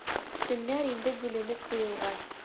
Көннәр инде бүленеп куелган.